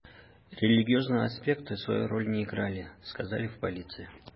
Дин аспекты шулай ук үз ролен уйнаган, диделәр полициядә.